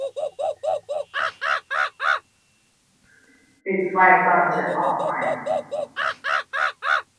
ปิดไฟตอนฉันออกไป